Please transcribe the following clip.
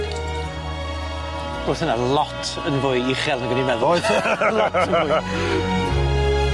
O'dd hynna lot yn fwy uchel nag o'n i'n meddwl. Oedd. Lot yn fwy.